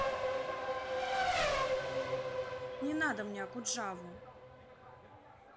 не надо мне окуджаву